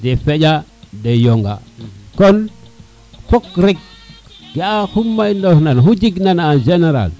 de fe a de yonga kon fok rek ga a oxu maynoox na o xu jeg na en generale